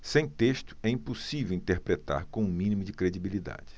sem texto é impossível interpretar com o mínimo de credibilidade